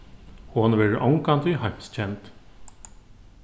hon verður ongantíð heimskend